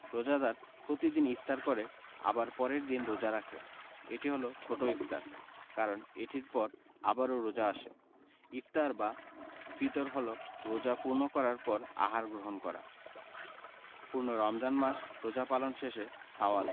রোজাদার প্রতিদিন ইফতার করে আবার পরের দিন রোজা রাখে এটি হলো ছোট ইফতার কারণ এটির পর আবারও রোজা আসে ইফতার বা ফিতর হলো রোজা পূর্ণ করার পর আহার গ্রহণ করা পূর্ণ রমজান মাস রোজা পালন শেষে শাওয়াল